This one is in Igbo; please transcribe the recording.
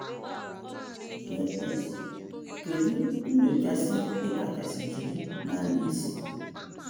JS: Kedu nnyocha ị kachasị jiri na-anya isi?